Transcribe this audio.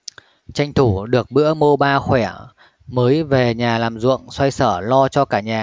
tranh thủ được bữa mô ba khỏe mới về nhà làm ruộng xoay sở lo cho cả nhà